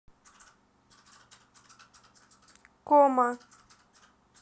кома